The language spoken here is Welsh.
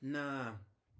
Na.